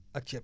ak ceeb